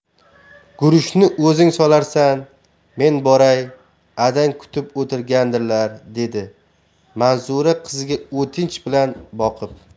guruchni o'zing solarsan men boray adang kutib o'tirgandirlar dedi manzura qiziga o'tinch bilan boqib